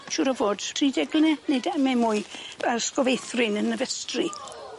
Siŵr o fod tri deg mlyne neu dy- neu mwy. Yy ysgol feithrin yn y festri.